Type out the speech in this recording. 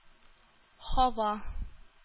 Һава